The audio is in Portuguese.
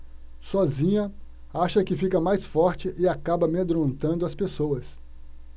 sozinha acha que fica mais forte e acaba amedrontando as pessoas